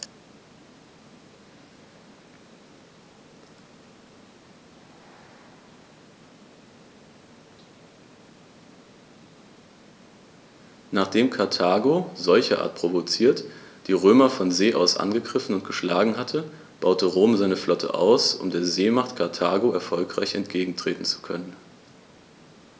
Nachdem Karthago, solcherart provoziert, die Römer von See aus angegriffen und geschlagen hatte, baute Rom seine Flotte aus, um der Seemacht Karthago erfolgreich entgegentreten zu können.